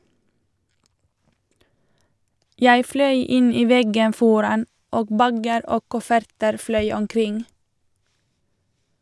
Jeg fløy inn i veggen foran, og bager og kofferter fløy omkring.